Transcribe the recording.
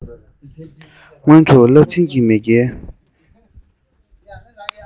རླབས ཆེན གྱི མེས རྒྱལ